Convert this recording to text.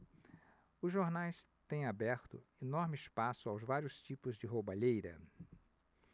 os jornais têm aberto enorme espaço aos vários tipos de roubalheira